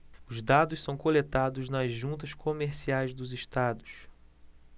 os dados são coletados nas juntas comerciais dos estados